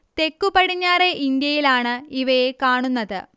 തെക്കു പടിഞ്ഞാറെ ഇന്ത്യയിലാണ് ഇവയെ കാണുന്നത്